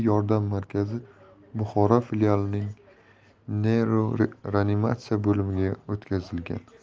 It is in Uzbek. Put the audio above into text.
yordam markazi buxoro filialining neyroreanimatsiya bo'limiga o'tkazilgan